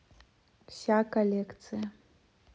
вся коллекция